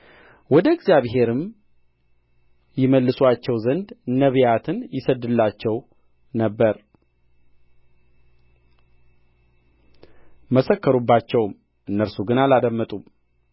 ወደ እግዚአብሔርም ይመልሱአቸው ዘንድ ነቢያትን ይሰድድላቸው ነበር መሰከሩባቸውም እነርሱ ግን አላደመጡም